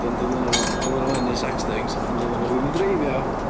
Ond doeddan, oeddan nhw yn wneud sex things ond oeddan nhw ddim yn dreifio.